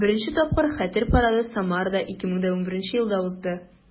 Беренче тапкыр Хәтер парады Самарада 2011 елда узды.